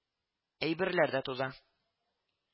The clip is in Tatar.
Әйберләр дә туза